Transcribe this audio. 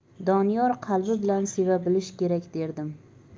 doniyor qalbi bilan seva bilish kerak derdim